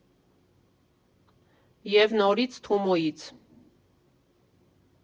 ԵՒ նորից Թումոյից։